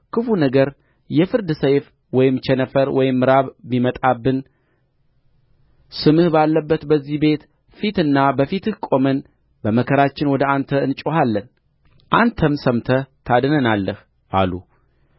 ክፉ ነገር የፍርድ ሰይፍ ወይም ቸነፈር ወይም ራብ ቢመጣብን ስምህ ባለበት በዚህ ቤት ፊትና በፊትህ ቆመን በመከራችን ወደ አንተ እንጮኻለን አንተም ሰምተህ ታድነናለህ አሉ